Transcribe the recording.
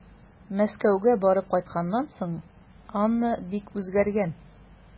Мәскәүгә барып кайтканнан соң Анна бик үзгәргән.